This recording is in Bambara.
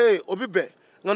o bɛ bɛn